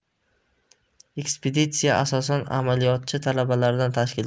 ekspeditsiya asosan amaliyotchi talabalardan tashkil topgan